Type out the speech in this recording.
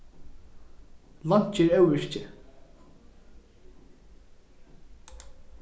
leinkið er óvirkið